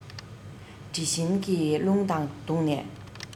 དྲི བཞིན གྱི རླུང དང བསྡོངས ནས